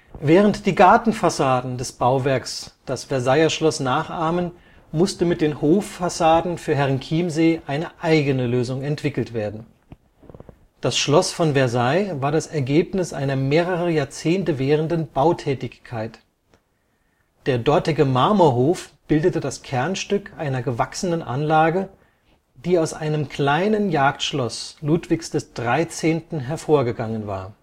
Während die Gartenfassaden des Bauwerks das Versailler Schloss nachahmen, musste mit den Hoffassaden für Herrenchiemsee eine eigene Lösung entwickelt werden. Das Schloss von Versailles war das Ergebnis einer mehrere Jahrzehnte währenden Bautätigkeit. Der dortige Marmorhof bildete das Kernstück einer gewachsenen Anlage, die aus einem kleinen Jagdschloss Ludwigs XIII. hervorgegangen war